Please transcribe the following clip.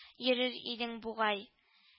Йөрер идең бугай